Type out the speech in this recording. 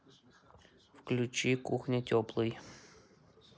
включи кухня теплый